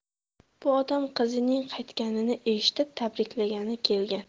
bu odam qizining qaytganini eshitib tabriklagani kelgan